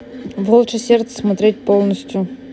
волчье сердце смотреть полностью